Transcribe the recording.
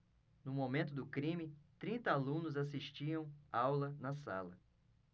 no momento do crime trinta alunos assistiam aula na sala